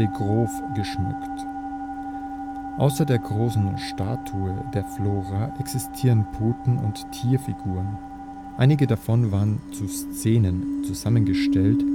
Grof geschmückt. Außer der großen Statue der Flora existierten Putten und Tierfiguren, einige davon waren zu Szenen zusammengestellt